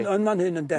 Yn yn fan hyn ynden.